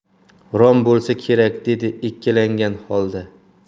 rom bo'lsa kerak dedi ikkilangan holda